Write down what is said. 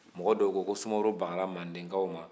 mɔgɔ dɔw ko ko sumaourou bagara mandenkaw ma